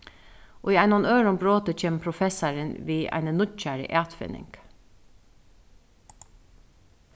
í einum øðrum broti kemur professarin við eini nýggjari atfinning